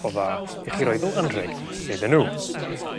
o dda i chi roi fel anreg idden n'w.